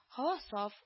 Һава саф